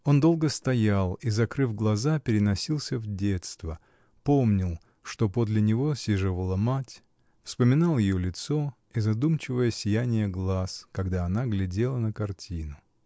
Он долго стоял и, закрыв глаза, переносился в детство, помнил, что подле него сиживала мать, вспоминал ее лицо и задумчивое сияние глаз, когда она глядела на картину.